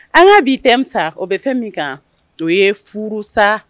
An y'a bi tɛmɛsa o bɛ fɛn min kan to ye furu sa